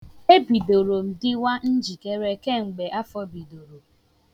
Ebidoro m dịwa njikere kemgbe afọ bidoro.